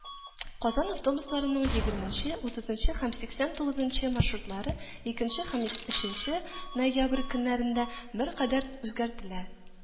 Казан автобусларының егерменче, утызынчы һәм сиксән тугызынчы маршрутлары икенче һәм өченче ноябрь көннәрендә беркадәр үзгәртелә.